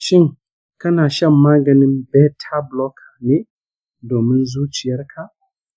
shin kana shan maganin beta blocker ne domin zuciyarka?